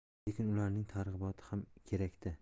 lekin ularning targ'iboti ham kerak da